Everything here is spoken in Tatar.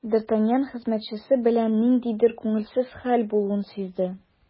Д’Артаньян хезмәтчесе белән ниндидер күңелсез хәл булуын сизде.